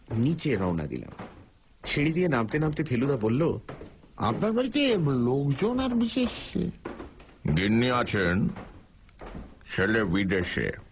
নীচে রওনা দিলাম সিঁড়ি দিয়ে নামতে নামতে ফেলুদা বলল আপনার বাড়িতে লোকজন আর বিশেষ গিন্নি আছেন ছেলে বিদেশে